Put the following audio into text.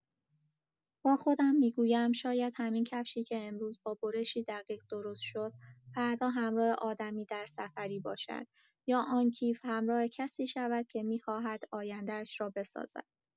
با خودم می‌گویم شاید همین کفشی که امروز با برشی دقیق درست شد، فردا همراه آدمی در سفری باشد یا آن کیف همراه کسی شود که می‌خواهد آینده‌اش را بسازد.